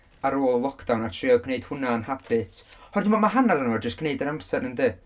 ar ôl lockdown a trio gwneud hwnna yn habit. Oherwydd dwi'n meddwl mae hanner ohono fo'n jyst gwneud yr amser yndi?